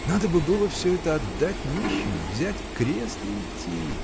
Надо бы было всё это отдать нищим, взять крест и идти.